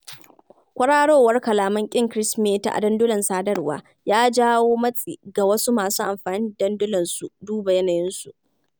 Kwararowar kalaman ƙin Kirsimeti a dandulan sadarwa ya jawo matsi ga wasu masu amfani da dandulan su duba yanayinsu.